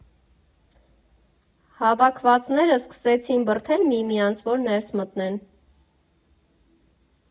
Հավաքվածները սկսեցին բրդել միմյանց, որ ներս մտնեն։